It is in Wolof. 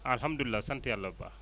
alhamdulilah sant yàlla bu baax